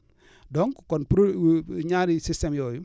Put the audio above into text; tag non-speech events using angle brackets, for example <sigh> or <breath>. <breath> donc kon pro <hesitation> ñaari systèmes yooyu